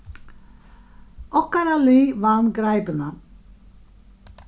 okkara lið vann greipuna